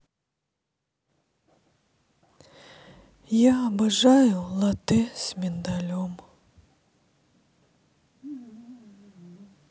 я обожаю латте с миндалем